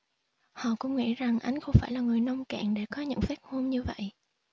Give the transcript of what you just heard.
họ cũng nghĩ rằng ánh không phải là người nông cạn để có những phát ngôn như vậy